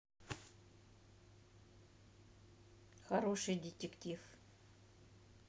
хороший детектив